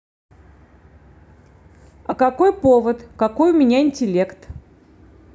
а какой повод какой у меня интеллект